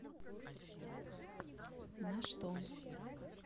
на что